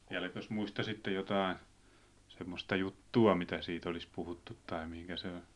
vieläkös muistaisitte jotakin semmoista juttua mitä siitä olisi puhuttu tai mihin se